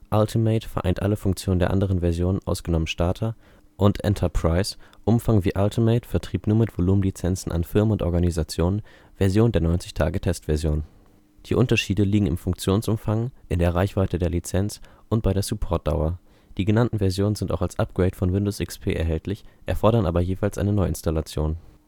Ultimate (vereint alle Funktionen der anderen Versionen, ausgenommen Starter) und Enterprise (Umfang wie Ultimate; Vertrieb nur mit Volumenlizenzen an Firmen und Organisationen; Version der 90-Tage-Testversion). Die Unterschiede liegen im Funktionsumfang, in der Reichweite der Lizenz und bei der Supportdauer. Die genannten Versionen sind auch als Upgrade von Windows XP erhältlich, erfordern aber jeweils eine Neuinstallation